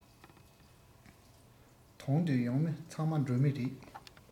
དོན དུ ཡོང མི ཚང མ འགྲོ མི རེད